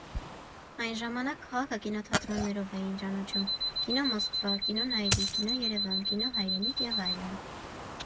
Այն ժամանակ քաղաքը կինոթատրոններով էին ճանաչում՝ կինո «Մոսկվա», կինո «Նաիրի», կինո «Երևան», կինո «Հայրենիք» և այլն։